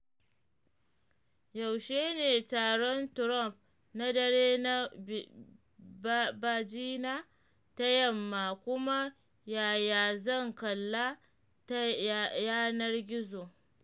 Yaushe ne taron Trump na dare na Virginia ta Yamma kuma yaya zan kalla ta yanar gizo?